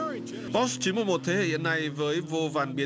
bót chín một một thế hiện nay với vô vàn biến